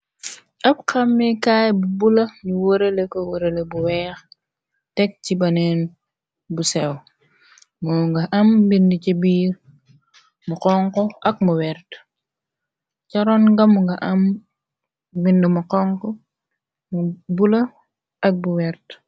Ab xamikaay bu bula ñu wërale ko warale bu weex teg ci baneen bu sew moo nga am mbind ci biir mu xonk ak mu wert caroon nga mu nga am bind mu xonk mu bula ak bu wert.